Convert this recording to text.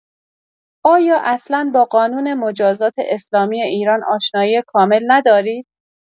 آیا اصلا با قانون مجازات اسلامی ایران آشنایی کامل ندارید؟